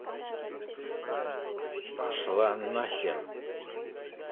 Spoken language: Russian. пошла на хер